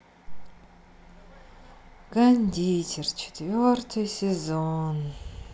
кондитер четвертый сезон